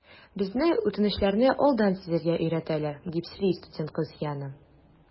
Безне үтенечләрне алдан сизәргә өйрәтәләр, - дип сөйли студент кыз Яна.